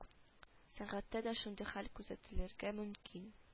Сәнгатьтә дә шундый хәл күзәтелергә мөмкин